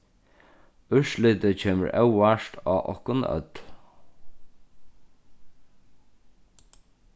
úrslitið kemur óvart á okkum øll